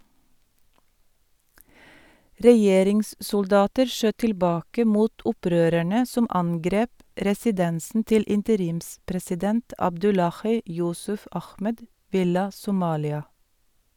Regjeringssoldater skjøt tilbake mot opprørerne som angrep residensen til interimspresident Abdullahi Yusuf Ahmed, Villa Somalia.